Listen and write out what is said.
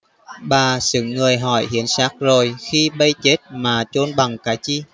bà sững người hỏi hiến xác rồi khi bây chết mạ chôn bằng cái chi